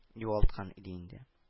Югалткан иде инде